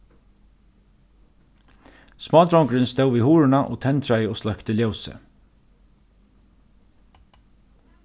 smádrongurin stóð við hurðina og tendraði og sløkti ljósið